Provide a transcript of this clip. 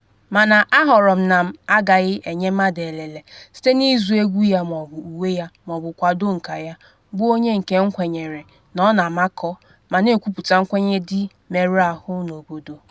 “Mana A họrọ m na m “AGAGHỊ” enye mmadụ elele (site na ịzụ egwu ya ma ọ bụ uwe ya ma ọ bụ kwado “nka” ya} bụ Onye nke m kwenyere na ọ na-amakọ ma na-ekwuputa nkwenye dị mmerụ ahụ n’obodo.